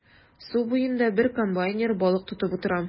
Су буенда бер комбайнер балык тотып утыра.